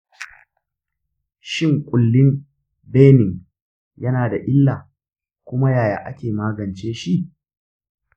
shin ƙullin benign yana da illa, kuma yaya ake magance shi?